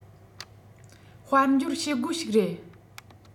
དཔལ འབྱོར བྱེད སྒོ ཞིག རེད